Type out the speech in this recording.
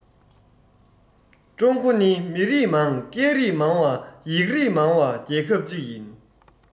ཀྲུང གོ ནི མི རིགས མང སྐད རིགས མང བ ཡིག རིགས མང བ རྒྱལ ཁབ ཅིག ཡིན